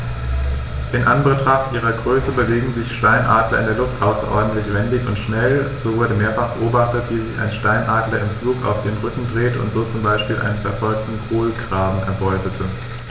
In Anbetracht ihrer Größe bewegen sich Steinadler in der Luft außerordentlich wendig und schnell, so wurde mehrfach beobachtet, wie sich ein Steinadler im Flug auf den Rücken drehte und so zum Beispiel einen verfolgenden Kolkraben erbeutete.